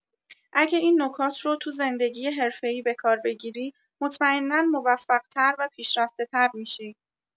اگه این نکات رو تو زندگی حرفه‌ای به‌کار بگیری، مطمئنا موفق‌تر و پیشرفته‌تر می‌شی.